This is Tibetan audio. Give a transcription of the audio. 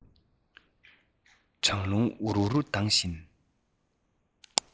གྲང རླུང འུར འུར ལྡང བཞིན